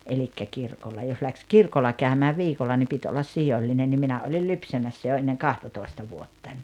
eli kirkolla jos lähti kirkolla käymään viikolla niin piti olla sijoillinen niin minä olin lypsämässä jo ennen kahtatoista vuotta